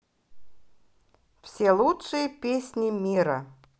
все лучшие песни мира